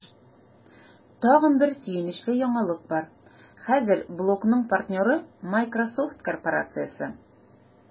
Тагын бер сөенечле яңалык бар: хәзер блогның партнеры – Miсrosoft корпорациясе!